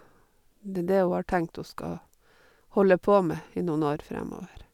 Det er det hun har tenkt hun skal holde på med i noen år fremover.